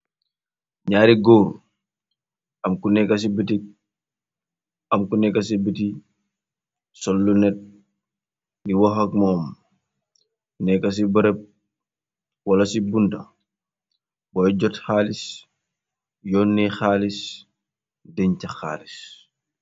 Nyaari góor am ku nekka ci biti am ku neka ci biti sol lu net di woxak moom nekka ci bërëb wala ci bunta boi jot xaalis yoon nah xaalis deñ ca xaalis.